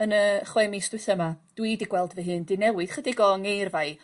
Yn y chwe mis dwitha 'ma dw i 'di gweld fy hun 'di newid chydig o'n ngeirfa i.